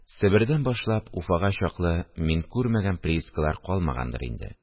Себердән башлап Уфага чаклы мин күрмәгән приискалар калмагандыр инде